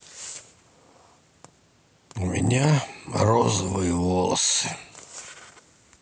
у меня розовые волосы